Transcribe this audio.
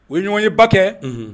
U ye ɲɔgɔn ye ba kɛ